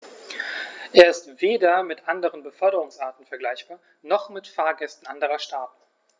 Er ist weder mit anderen Beförderungsarten vergleichbar, noch mit Fahrgästen anderer Staaten.